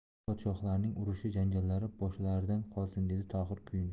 bu podsholarning urush janjallari boshlaridan qolsin dedi tohir kuyunib